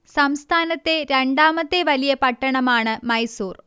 സംസ്ഥാനത്തെ രണ്ടാമത്തെ വലിയ പട്ടണമാണ് മൈസൂർ